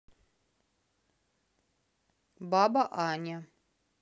баба аня